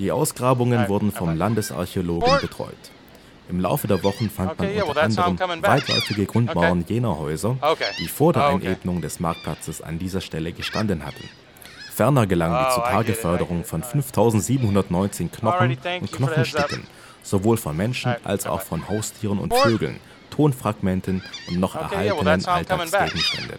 Ausgrabungen wurden vom Landesarchäologen betreut. Im Laufe der Wochen fand man unter anderem weitläufige Grundmauern jener Häuser, die vor der Einebnung des Marktplatzes an dieser Stelle gestanden hatten. Ferner gelang die Zutageförderung von 5.719 Knochen und Knochenstücken sowohl von Menschen als auch von Haustieren und Vögeln, Tonfragmenten und noch erhaltenen Alltagsgegenständen